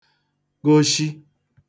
goshi